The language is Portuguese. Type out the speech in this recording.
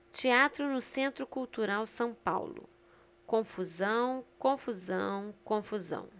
teatro no centro cultural são paulo confusão confusão confusão